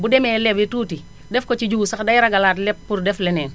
bu demee lebi tuuti def ko ci jiwu sax day ragalaat leb pour def leneen